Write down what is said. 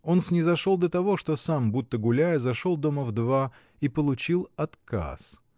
Он снизошел до того, что сам, будто гуляя, зашел дома в два и получил отказ.